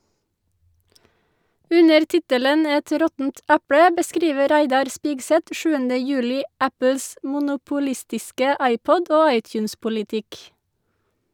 Under tittelen «Et råttent eple» beskriver Reidar Spigseth 7. juli Apples monopolistiske iPod- og iTunes-politikk.